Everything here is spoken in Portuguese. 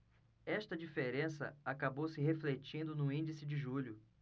esta diferença acabou se refletindo no índice de julho